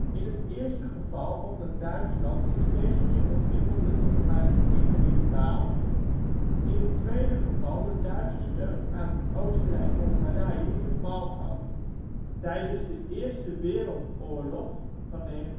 In het eerste geval omdat Duitsland zich steeds meer ontwikkelde tot een maritieme rivaal, in het tweede geval door Duitse steun aan Oostenrijk-Hongarije in de Balkan. Tijdens de Eerste Wereldoorlog (1914-1918